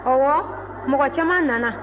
ɔwɔ mɔgɔ caman nana